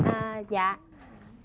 ờ dạ